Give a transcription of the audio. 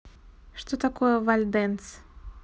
что такое вальденс